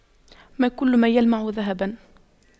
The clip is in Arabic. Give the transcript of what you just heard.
ما كل ما يلمع ذهباً